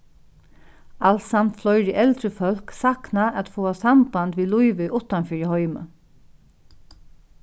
alsamt fleiri eldri fólk sakna at fáa samband við lívið uttanfyri heimið